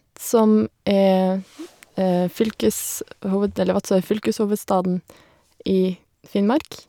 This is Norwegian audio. som er fylkeshoved eller Vadsø er fylkeshovedstaden i Finnmark.